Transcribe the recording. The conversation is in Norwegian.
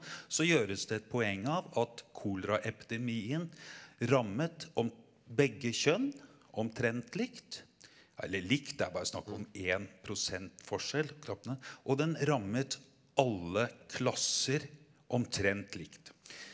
så gjøres det et poeng av at koleraepidemien rammet begge kjønn omtrent likt eller likt det er bare snakk om 1% forskjell knapt det og den rammet alle klasser omtrent likt.